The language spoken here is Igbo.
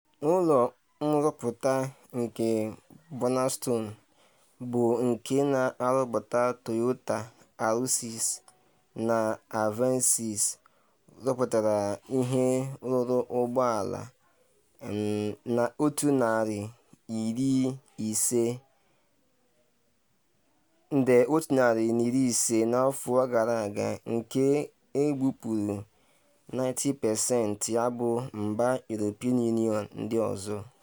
Ụlọ nrụpụta nke Burnaston - bụ nke na-arụpụta Toyota Auris na Avensis - rụpụtara ihe ruru ụgbọ ala 150,000 n’afọ gara aga nke ebupuru 90% ya na mba European Union ndị ọzọ.